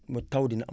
mooy taw dina am